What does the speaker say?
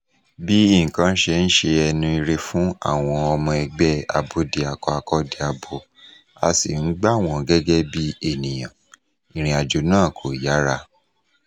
Bí nǹkan ṣe ń ṣe ẹnu ire fún àwọn ọmọ ẹgbẹ́ Abódiakọ-akọ́diabo a sì ń gbà wọ́n gẹ́gẹ́ bí ènìyàn, ìrìnàjò náà kò yàrá.